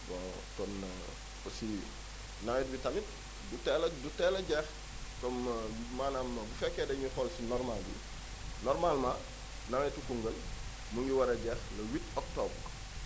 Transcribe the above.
bon comme aussi nawet bi tamit du teel a du teel a jeex comme maanaam bu fekkee da ñuy xool si normal bi normalement nawetu Koungheul mu ngi war a jeex le 8 octobre